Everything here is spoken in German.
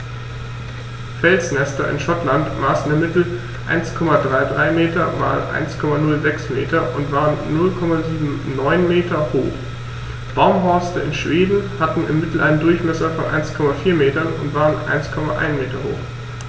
Felsnester in Schottland maßen im Mittel 1,33 m x 1,06 m und waren 0,79 m hoch, Baumhorste in Schweden hatten im Mittel einen Durchmesser von 1,4 m und waren 1,1 m hoch.